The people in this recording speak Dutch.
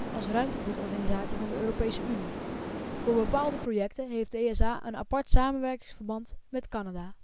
als ruimtevaartorganisatie van de Europese Unie. Voor bepaalde projecten heeft de ESA een apart samenwerkingsverband met Canada